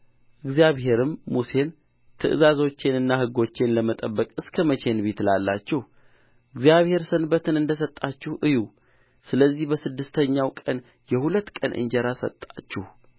እግዚአብሔርም ሙሴን ትእዛዞቼንና ሕጎቼን ለመጠበቅ እስከ መቼ እንቢ ትላላችሁ እግዚአብሔር ሰንበትን እንደ ሰጣችሁ እዩ ስለዚህ በስድስተኛው ቀን የሁለት ቀን እንጀራ ሰጣችሁ